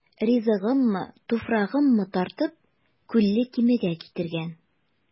Ризыгыммы, туфрагыммы тартып, Күлле Кимегә китергән.